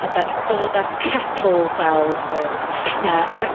A 'dan ni'n dod â'r kettle bells. Yy, a'r yy...